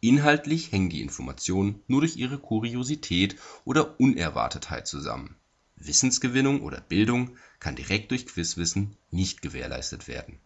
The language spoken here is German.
Inhaltlich hängen die Informationen nur durch ihre Kuriosität oder Unerwartetheit zusammen. Wissensgewinnung oder Bildung kann direkt durch Quizwissen nicht gewährleistet werden.